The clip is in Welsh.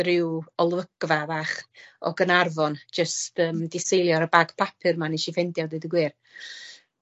ryw olygfa fach o Ganarfon jyst yym 'di seilio ar y bag papur 'ma nesh i ffindio a deud y gwir.